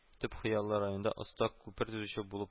Төп хыялы районда оста күпер төзүче булып